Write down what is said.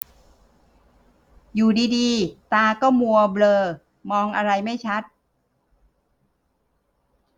อยู่ดีดีตาก็มัวเบลอมองอะไรไม่ชัด